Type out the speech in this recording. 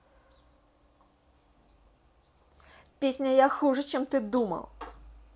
песня я хуже чем ты думал